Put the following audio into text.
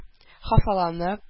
Хафаланып